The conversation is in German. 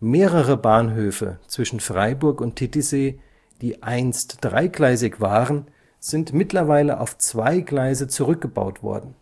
Mehrere Bahnhöfe zwischen Freiburg und Titisee, die einst dreigleisig waren, sind mittlerweile auf zwei Gleise zurückgebaut worden.